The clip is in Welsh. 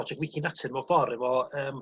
broject wici natur mewn ffor efo yym...